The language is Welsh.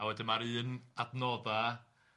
...a wedyn ma'r un adnodda